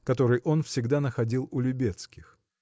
который он всегда находил у Любецких.